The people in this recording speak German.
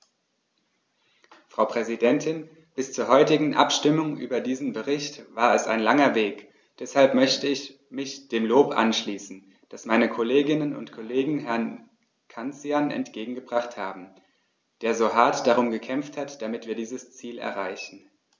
Frau Präsidentin, bis zur heutigen Abstimmung über diesen Bericht war es ein langer Weg, deshalb möchte ich mich dem Lob anschließen, das meine Kolleginnen und Kollegen Herrn Cancian entgegengebracht haben, der so hart darum gekämpft hat, damit wir dieses Ziel erreichen.